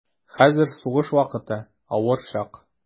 Хәзер сугыш вакыты, авыр чак.